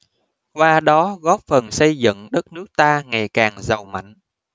qua đó góp phần xây dựng đất nước ta ngày càng giàu mạnh